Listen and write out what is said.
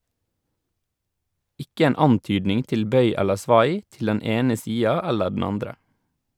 Ikke en antydning til bøy eller svai, til den ene sida eller den andre.